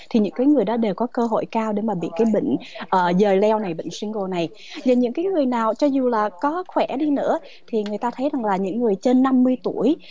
thì những cái người đó đều có cơ hội cao để mà bị cái bệnh ờ giời leo này bệnh sinh gồ này như những cái người nào cho dù là có khỏe đi nữa thì người ta thấy rằng là những người trên năm mươi tuổi